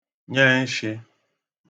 nye nshị̄